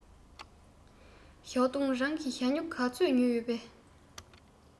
ཞའོ ཏུང རང གིས ཞྭ སྨྱུག ག ཚོད ཉོས ཡོད པས